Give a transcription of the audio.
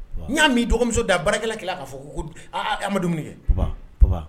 N' y'a min dɔgɔmuso da baarakɛ kelen k'a fɔ ko amadu ye